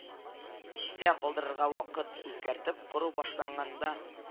—истә калдырырга вакыт, үзгәртеп кору башланганда